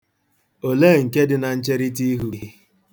Olee nke dị na ncherịta ihu gị?